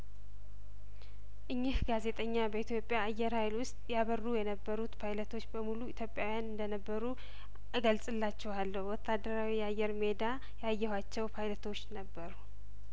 እኚህ ጋዜጠኛ በኢትዮጵያ አየር ሀይል ውስጥ ያበሩ የነበሩት ፓይለቶች በሙሉ ኢትዮጵያዊያን እንደነበሩ እገልጽ ላችኋለሁ ወታደራዊ የአየር ሜዳ ያየኋቸው ፓይለቶች ነበሩ